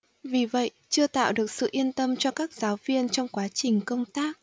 vì vậy chưa tạo được sự yên tâm cho các giáo viên trong quá trình công tác